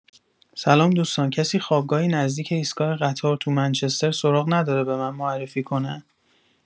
سلام دوستان کسی خوابگاهی نزدیک ایستگاه قطار تو منچستر سراغ نداره به من معرفی کنه؟